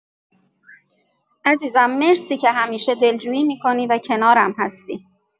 عزیزم، مرسی که همیشه دلجویی می‌کنی و کنارم هستی.